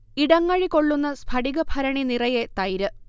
ഇടങ്ങഴി കൊള്ളുന്ന സ്ഫടിക ഭരണി നിറയെ തൈര്